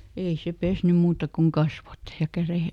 ei se pessyt muuta kuin kasvot ja kädet